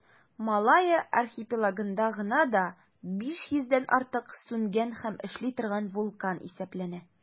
Малайя архипелагында гына да 500 дән артык сүнгән һәм эшли торган вулкан исәпләнә.